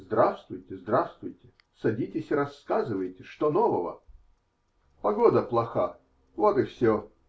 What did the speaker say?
Здравствуйте, здравствуйте; садитесь и рассказывайте, что нового. -- Погода плоха, вот и все.